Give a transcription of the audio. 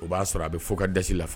O b'a sɔrɔ a bɛ fo ka dasi la